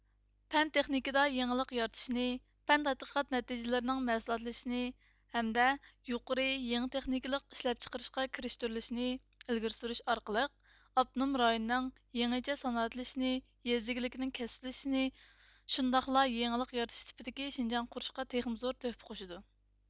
پەن تېخنىكىدا يېڭىلىق يارىتىشنى پەن تەتقىقات نەتىجلىرىنىڭ مەھسۇلاتلىشىشىنى ھەمدە يۇقىرى يېڭى تېخنىكىلىق ئىشلەپچىقىرىشقا كىرىشتۈرۈلۈشىنى ئىلگىرى سۈرۈش ئارقىلىق ئاپتونوم رايوننىڭ يېڭىچە سانائەتلىشىشنى يېزا ئىگىلىكىنىڭ كەسىپلىشىشىنى شۇنداقلا يېڭىلىق يارىتىش تىپىدىكى شىنجاڭ قۇرۇشقا تېخىمۇ زور تۆھپە قوشىدۇ